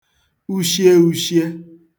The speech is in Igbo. ushieūshiē